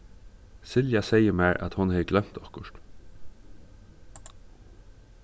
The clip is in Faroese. silja segði mær at hon hevði gloymt okkurt